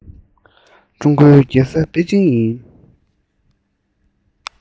ཀྲུང གོའི རྒྱལ ས པེ ཅིང ཡིན